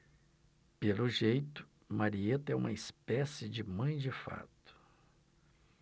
pelo jeito marieta é uma espécie de mãe de fato